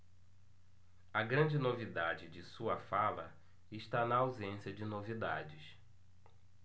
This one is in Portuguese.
a grande novidade de sua fala está na ausência de novidades